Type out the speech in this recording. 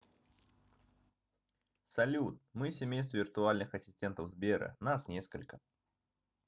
салют мы семейство виртуальных ассистентов сбера нас несколько